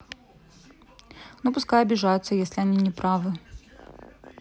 ну пускай обижаются если они неправы